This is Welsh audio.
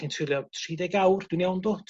'da chi'n treulio tri deg awr dwi'n iawn dwa?